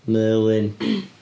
Merlin.